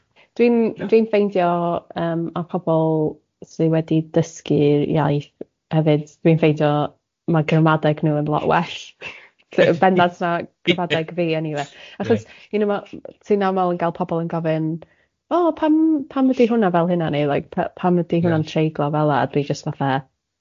Dwi'n dwi'n ffeindio yym a pobl sy wedi dysgu'r iaith hefyd dwi'n ffeindio ma' gramadeg nhw yn lot well bendant na gramadeg fi eniwe achos you know ma' ti'n amlwg yn cael pobl yn gofyn o pam pam ydi hwnna fel hynna neu like pa- pam ydi hwnna'n treiglo fela a dwi jyst fatha... Ie.